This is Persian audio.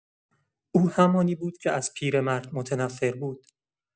او همانی بود که از پیرمرد متنفر بود.